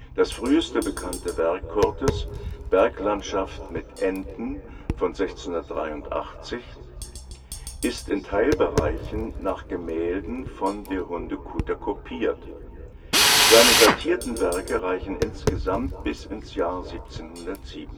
Das früheste bekannte Werk Coortes, Berglandschaft mit Enten von 1683, ist in Teilbereichen nach Gemälden von de Hondecoeter kopiert. Seine datierten Werke reichen insgesamt bis ins Jahr 1707